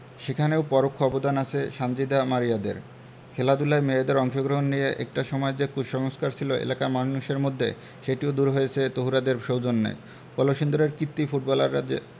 সেখানেও পরোক্ষ অবদান আছে সানজিদা মারিয়াদের খেলাধুলায় মেয়েদের অংশগ্রহণ নিয়ে একটা সময় যে কুসংস্কার ছিল এলাকার মানুষের মধ্যে সেটিও দূর হয়েছে তহুরাদের সৌজন্যে কলসিন্দুরের কিতী ফুটবলাররা যে